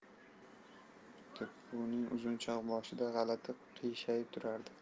do'ppi uning uzunchoq boshida g'alati qiyshayib turardi